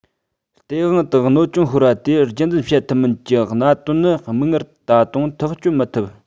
སྟེས དབང དུ གནོད སྐྱོན ཤོར བ དེ རྒྱུད འཛིན བྱེད ཐུབ མིན གྱི གནད དོན ནི མིག སྔར ད དུང ཐག གཅོད མི ཐུབ